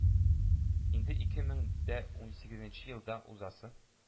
Инде ике мең дә унсигезенче елда узасы